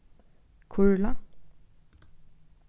kurla